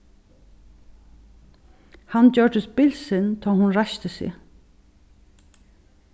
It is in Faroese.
hann gjørdist bilsin tá hon reisti seg